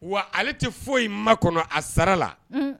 Wa ale tɛ foyi makɔnɔ a sara la, unn